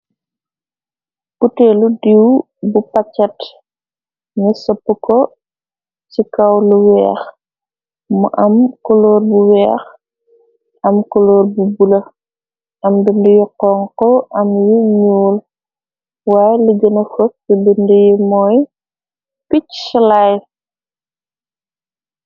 Puteelu diiw bu paket ni sëpp ko ci kaw lu weex mu am koloor bu weex am koloor bu bula am bind yo xon ko am yi muul waye li gëna fot ti bind yi mooy picc slile.